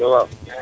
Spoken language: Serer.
Alo waaw